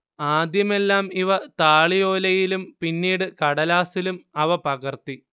ആദ്യമെല്ലാം ഇവ താളിയോലയിലും പിന്നീട് കടലാസിലും അവ പകർത്തി